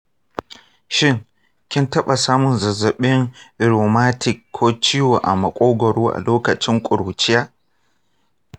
shin, kin taɓa samun zazzaɓin rheumatic ko ciwo a makogwaro a lokacin ƙuruciya?